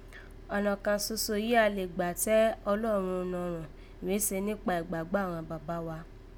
Ọ̀nà kàn soso yìí a lè gbà tẹ́ Ọlọ́run nọrọ̀n rèé se níkpa ìgbàgbọ́ àghan bàbá wa